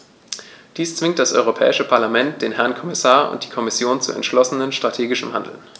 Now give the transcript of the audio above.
Dies zwingt das Europäische Parlament, den Herrn Kommissar und die Kommission zu entschlossenem strategischen Handeln.